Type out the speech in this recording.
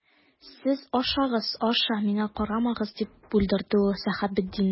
Сез ашагыз, аша, миңа карамагыз,— дип бүлдерде ул Сәхәбетдинне.